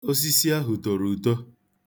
Osisi ahụ toro uto.